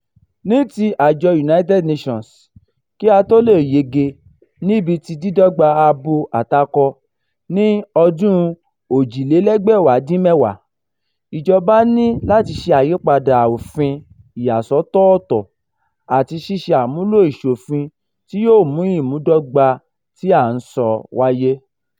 Ní ti àjọ United Nations, kí a tó lè yege níbi ti dídọ́gba abo atakọ ní ọdún-un 2030, ìjọba ní láti ṣe àyípadà òfin ìyàsọ́tọ̀ọtọ̀ àti ṣíṣe àmúlò ìṣòfin tí yóò mú ìmúdọ́gba tí à ń sọ wáyé.